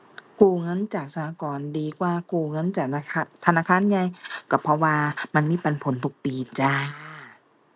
กู้เงินจากสหกรณ์ดีกว่ากู้เงินจากนะคะ ธนาคารใหญ่ ก็เพราะว่ามันมีปันผลทุกปีจ้า